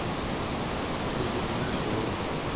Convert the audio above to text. ты меня нашел